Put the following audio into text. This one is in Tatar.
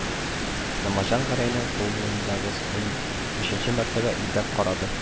Намаҗан Гәрәйнең кулындагысын өченче мәртәбә ипләп карады